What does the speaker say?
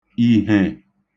ìhè